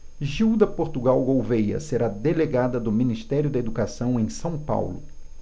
gilda portugal gouvêa será delegada do ministério da educação em são paulo